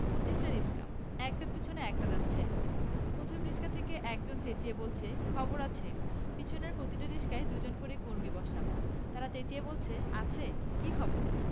পঁচিশটা রিকশা একটার পেছনে একটা যাচ্ছে প্রথম রিকশা থেকে একজন চেঁচিয়ে বলছে খবর আছে পেছনের প্রতিটি রিকশায় দু জন করে কর্মী বসা তাঁরা চেঁচিয়ে বলছে আছে কি খবর